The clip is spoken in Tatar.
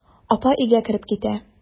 Апа өйгә кереп китә.